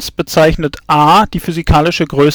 bezeichnet A die physikalische Größe